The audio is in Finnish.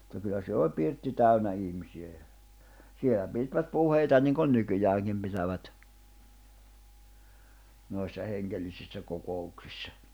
mutta kyllä siellä oli pirtti täynnä ihmisiä ja siellä pitivät puheita niin kuin nykyäänkin pitävät noissa hengellisissä kokouksissa